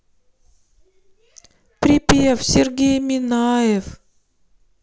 привет сергей минаев